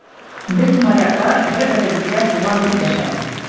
Без, моряклар, бер-беребезгә туган, дип дәшәбез.